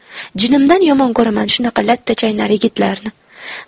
jinimdan yomon ko'raman shunaqa lattachaynar yigitlarni